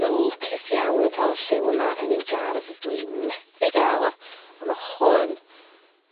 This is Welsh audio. ...yn lwcus iawn yn ca'l y lliw yma yn i'w gardd dwi'n methu ga'l o a ma' hwn